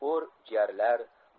o'r jarlar